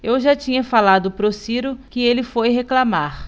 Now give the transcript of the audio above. eu já tinha falado pro ciro que ele foi reclamar